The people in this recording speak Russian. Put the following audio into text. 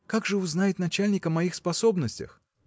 – Как же узнает начальник о моих способностях?